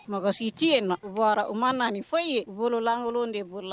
Mɔgɔ si tɛ yen nɔ u bɔra u ma na ni fɔyi ye u bololankolon de bolo la